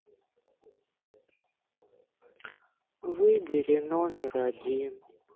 выбери номер один